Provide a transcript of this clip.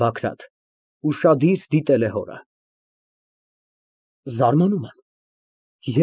ԲԱԳՐԱՏ ֊ (Ուշադիր դիտել է հորը) Զարմանում եմ։